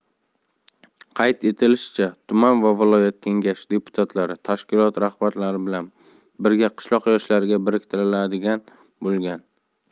qayd etilishicha tuman va viloyat kengashi deputatlari tashkilot rahbarlari bilan birga qishloq yoshlariga biriktiriladigan bo'lgan